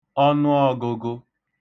ọnụọ̄gụ̄gụ̄